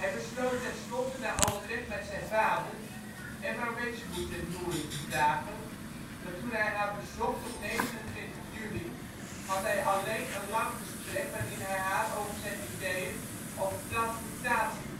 besloot tenslotte na overleg met zijn vader Emma Wedgwood ten huwelijk te vragen, maar toen hij haar bezocht op 29 juli had hij alleen een lang gesprek waarin hij haar over zijn ideeën over transmutatie